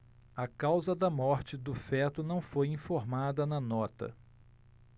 a causa da morte do feto não foi informada na nota